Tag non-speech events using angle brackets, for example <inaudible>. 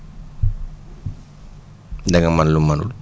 <noise> da nga mën lu mu mënul